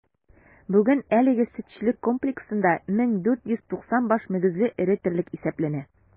Бүген әлеге сөтчелек комплексында 1490 баш мөгезле эре терлек исәпләнә.